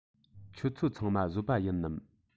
ཁྱོད ཚོ ཚང མ བཟོ པ ཡིན ནམ